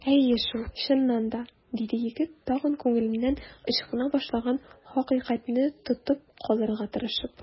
Әйе шул, чыннан да! - диде егет, тагын күңеленнән ычкына башлаган хакыйкатьне тотып калырга тырышып.